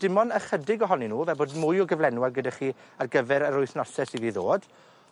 Dim on' ychydig ohonyn n'w fel bod mwy o gyflenwad gyda chi ar gyfer yr wythnose sydd i ddod.